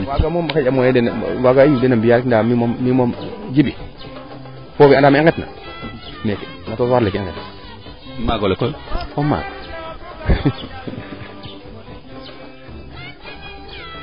waaga moom xanja moyen dena waga a yiin dena mbiya rek nda mi moom mi moom Djiby foofi anda me i nget na meeke na tsuwar leeke i ngetu maagole koy o maag